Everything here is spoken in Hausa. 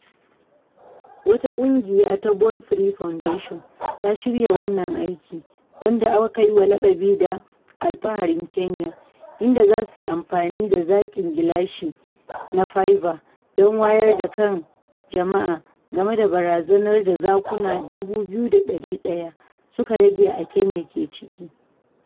Wata ƙungiya ta Born Free Foundation ta shirya wannan aikin, wanda aka yiwa laƙabi da "Alfaharin Kenya" inda za su yi amfani da zakin gilashi na faiba, don wayar da kan jama’a game da barazanar da zakuna 2,100 da suka rage a Kenya ke ciki .